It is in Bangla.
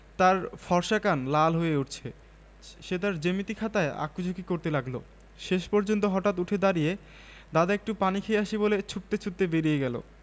তার ফর্সা কান লাল হয়ে উঠছে সে তার জ্যামিতি খাতায় আঁকি ঝুকি করতে লাগলো শেষ পর্যন্ত হঠাৎ উঠে দাড়িয়ে দাদা একটু পানি খেয়ে আসি বলে ছুটতে ছুটতে বেরিয়ে গেল